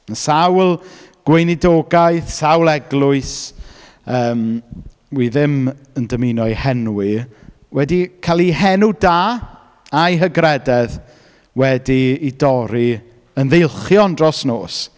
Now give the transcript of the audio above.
Mae sawl gweinidogaeth, sawl eglwys yym, wi ddim yn dymuno eu henwi, wedi cael eu henw da a'u hygrededd wedi ei dorri yn ddeilchion dros nos...